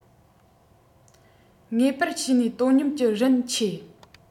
ངེས པར བྱས ནས དོ སྙོམས ཀྱི རིན ཁྱད